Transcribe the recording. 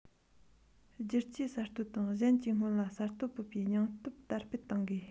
བསྒྱུར བཅོས གསར གཏོད དང གཞན གྱི སྔོན ལ གསར གཏོད ཕོད པའི སྙིང སྟོབས དར སྤེལ གཏོང དགོས